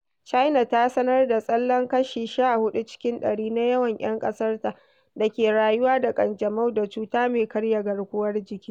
China ta sanar da tsallen kashi 14 cikin ɗari na yawan 'yan ƙasarta da ke rayuwa da ƙanjamu da cuta mai karya garkuwar jiki.